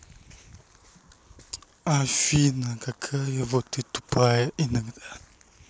афина какая вот ты тупая иногда